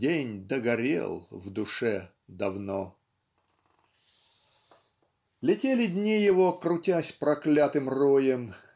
День догорел в душе давно. Летели дни его крутясь проклятым роем